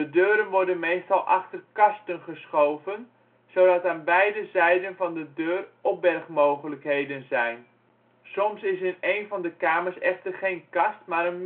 deuren worden meestal achter kasten geschoven, zodat aan beide zijden van de deur opbergmogelijkheden zijn. Soms is in een van de kamers echter geen kast maar